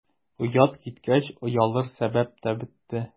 Оят киткәч, оялыр сәбәп тә бетте.